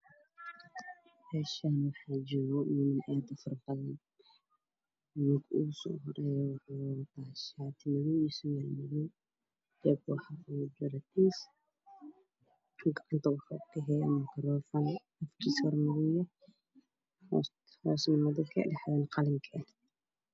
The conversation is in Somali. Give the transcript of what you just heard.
Meshaan waxaa jogo niman aad ufarabadan kan usoo horeeyo waxuu wataa shaati madow igo macmius jaoaka waxaa ugu jiro teleef9n galkiiso yahay madow makaroofan qalina ah